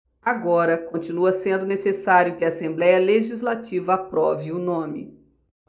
agora continua sendo necessário que a assembléia legislativa aprove o nome